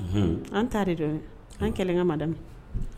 An ta dɔn an kɛlɛka mada